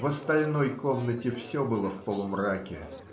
в остальной комнате все было в полумраке.